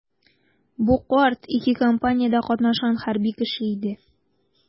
Бу карт ике кампаниядә катнашкан хәрби кеше иде.